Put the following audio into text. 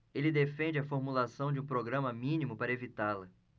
ele defende a formulação de um programa mínimo para evitá-la